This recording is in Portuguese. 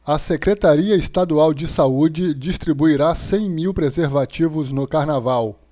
a secretaria estadual de saúde distribuirá cem mil preservativos no carnaval